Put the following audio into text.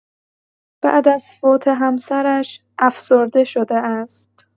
بعد از فوت همسرش افسرده شده است